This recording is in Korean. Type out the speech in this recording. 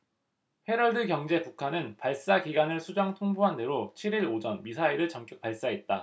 헤럴드경제 북한은 발사 기간을 수정 통보한대로 칠 일 오전 미사일을 전격 발사했다